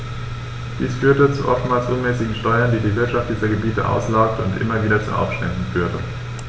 Dies führte zu oftmals unmäßigen Steuern, die die Wirtschaft dieser Gebiete auslaugte und immer wieder zu Aufständen führte.